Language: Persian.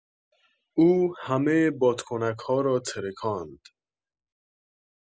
او همه بادکنک‌ها را ترکاند